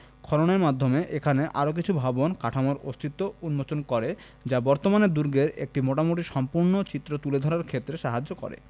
খননের মাধ্যমে এখানে আরও কিছু ভবন কাঠামোর অস্তিত্ব উন্মোচন করে যা বর্তমানে দুর্গের একটি মোটামুটি সম্পূর্ণ চিত্র তুলে ধরার ক্ষেত্রে সাহায্য করে